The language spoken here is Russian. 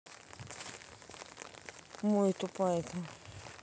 мой тупая ты